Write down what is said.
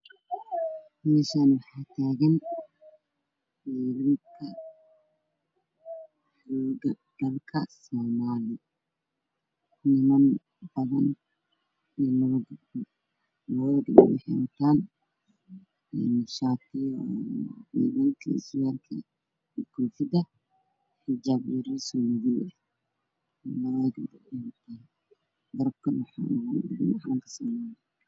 Meeshan waxa taagan maamo waxay dadtaa xijaab